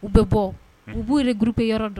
U bɛ bɔ, u b'u regroupé yɔrɔ dɔ